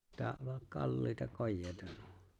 kalliita kojeita nuo